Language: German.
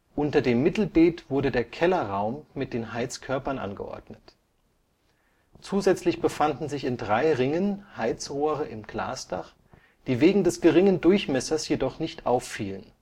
Unter dem Mittelbeet wurde der Kellerraum mit den Heizkörpern angeordnet. Zusätzlich befanden sich in drei Ringen Heizrohre im Glasdach, die wegen des geringen Durchmessers jedoch nicht auffielen